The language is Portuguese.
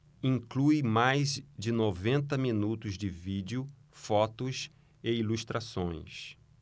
inclui mais de noventa minutos de vídeo fotos e ilustrações